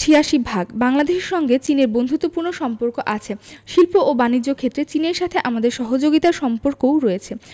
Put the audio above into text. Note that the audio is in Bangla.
৮৬ ভাগ বাংলাদেশের সঙ্গে চীনের বন্ধুত্বপূর্ণ সম্পর্ক আছে শিল্প ও বানিজ্য ক্ষেত্রে চীনের সাথে আমাদের সহযোগিতার সম্পর্কও রয়েছে